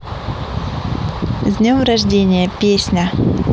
с днем рождения песня